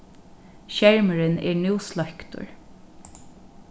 skermurin er nú sløktur